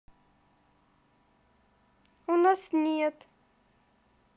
у нас нет